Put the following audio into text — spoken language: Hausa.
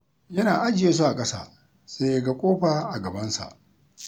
Yana ajiye su a ƙasa, sai ya ga ƙofa a gabansa.